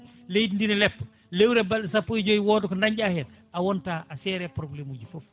leydi ndi ne leppa lewru e balɗe sappo e joyyi wooda ko dañɗa hen a wonta a seere e probléme uji foof